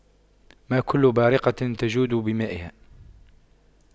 ما كل بارقة تجود بمائها